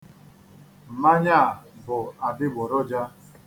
Mmanya a bụ adigboroja.